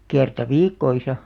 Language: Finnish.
kerran viikossa